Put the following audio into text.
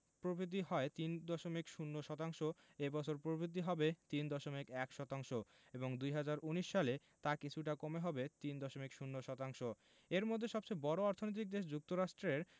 প্রবৃদ্ধি হয় ৩.০ শতাংশ এ বছর প্রবৃদ্ধি হবে ৩.১ শতাংশ এবং ২০১৯ সালে তা কিছুটা কমে হবে ৩.০ শতাংশ এর মধ্যে সবচেয়ে বড় অর্থনৈতিক দেশ যুক্তরাষ্ট্রের